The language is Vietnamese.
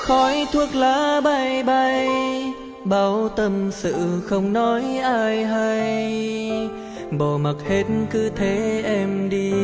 khói thuốc lá bay bay bao tâm sự không nói ai hay bỏ mặc hết cứ thế em đi